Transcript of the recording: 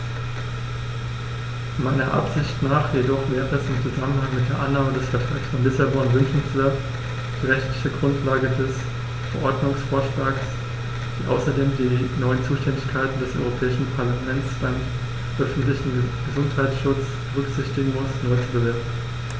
Meiner Ansicht nach jedoch wäre es im Zusammenhang mit der Annahme des Vertrags von Lissabon wünschenswert, die rechtliche Grundlage des Verordnungsvorschlags, die außerdem die neuen Zuständigkeiten des Europäischen Parlaments beim öffentlichen Gesundheitsschutz berücksichtigen muss, neu zu bewerten.